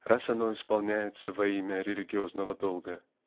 раз оно исполняется во имя религиозного долга.